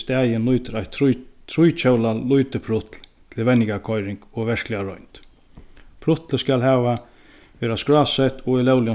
staðin nýtir eitt tríhjólað lítið prutl til venjingarkoyring og verkliga roynd prutlið skal hava vera skrásett og í lógligum